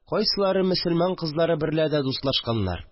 Кайсылары мөселман кызлары берлә дә дустлашканнар